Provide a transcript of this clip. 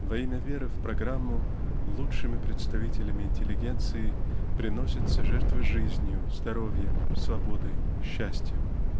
Во имя веры в программу лучшими представителями интеллигенции приносятся жертвы жизнью здоровьем свободой счастьем.